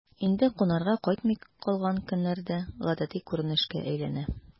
Инде кунарга кайтмый калган көннәр дә гадәти күренешкә әйләнә...